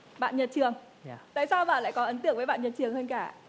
bạn nhật trường tại sao bạn lại có ấn tượng với bạn nhật trường hơn cả